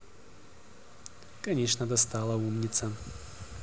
конечно достала умница